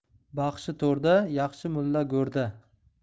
baxshi to'rda yaxshi mulla go'rda